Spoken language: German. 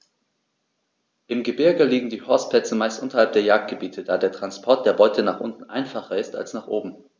Im Gebirge liegen die Horstplätze meist unterhalb der Jagdgebiete, da der Transport der Beute nach unten einfacher ist als nach oben.